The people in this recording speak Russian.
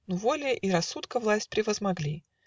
Но воля и рассудка власть Превозмогли.